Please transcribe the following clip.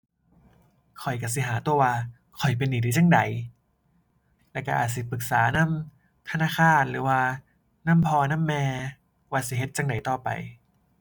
ข้อยก็สิหาตั่วว่าข้อยเป็นหนี้ได้จั่งใด แล้วก็อาจสิปรึกษานำธนาคาร หรือว่านำพ่อนำแม่ว่าสิเฮ็ดจั่งใดต่อไป